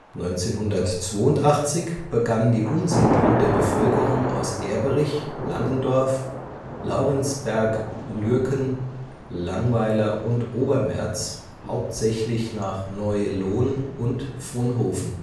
1982 begann die Umsiedlung der Bevölkerung aus Erberich, Langendorf, Laurenzberg, Lürken, Langweiler und Obermerz hauptsächlich nach Neu-Lohn und Fronhoven